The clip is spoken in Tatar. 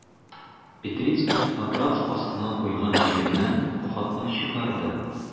Петрицкий матрац астына куйган җирәннән хатны чыгарды.